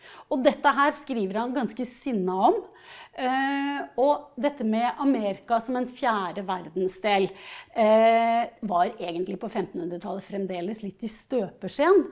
og dette her skriver han ganske sinna om og dette med Amerika som en fjerde verdensdel var egentlig på femtenhundretallet fremdeles litt i støpeskjeen.